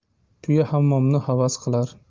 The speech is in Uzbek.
tuya hammomni havas qilar